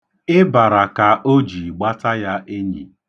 Ịbara ka o ji gbata ya enyi.